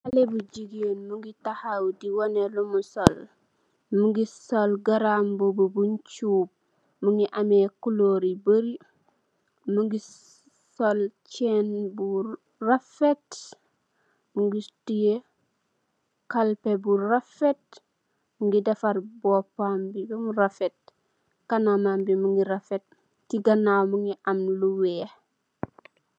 Xalé bu jigéen bu ngi taxaw di wane lumu sol. Mbu ngi sol garambu buñg cuub bu am kuloor yu bari, mu ngi sol ceen bu rafet, mu tiye kalpe bu rafet, mu ngi defar boopam bi bam rafet. Kanam bi mu ngi rafet, si ganaaw mu ngi am lu weex.